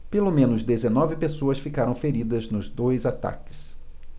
pelo menos dezenove pessoas ficaram feridas nos dois ataques